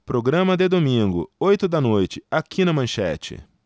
programa de domingo oito da noite aqui na manchete